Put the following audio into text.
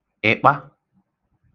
ị̀kpa